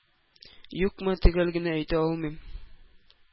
Юкмы, төгәл генә әйтә алмыйм.